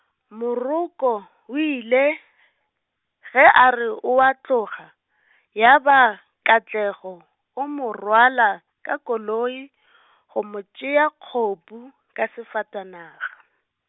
Moroko o ile, ge a re o a tloga, ya ba Katlego, o mo rwala ka koloi , go mo tšea kgopu, ka sefatanaga.